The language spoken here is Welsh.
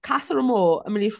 Casa Amor yn mynd i...